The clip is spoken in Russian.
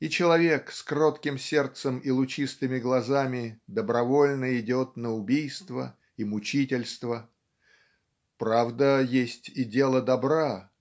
и человек с кротким сердцем и лучистыми глазами добровольно идет на убийство и мучительство. Правда есть и дело добра